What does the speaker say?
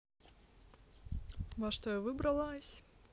вот что я выбралась